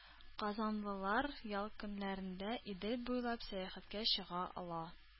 Казанлылар ял көннәрендә Идел буйлап сәяхәткә чыга ала.